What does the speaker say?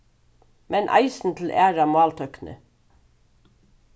men eisini til aðra máltøkni